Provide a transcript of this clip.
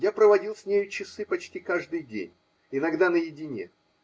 Я проводил с нею часы почти каждый день, иногда наедине